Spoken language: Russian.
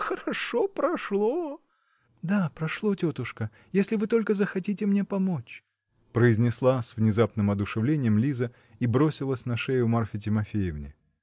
Хорошо "прошло!" -- Да, прошло, тетушка, если вы только захотите мне помочь, -- произнесла с внезапным одушевлением Лиза и бросилась на шею Марфе Тимофеевне.